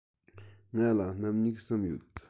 ང ལ སྣུམ སྨྱུག གསུམ ཡོད